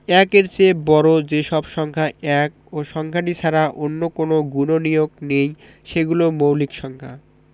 ১-এর চেয়ে বড় যে সব সংখ্যা ১ ও সংখ্যাটি ছাড়া অন্য কোনো গুণনীয়ক নেই সেগুলো মৌলিক সংখ্যা